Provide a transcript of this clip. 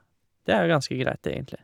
Det er jo ganske greit, egentlig.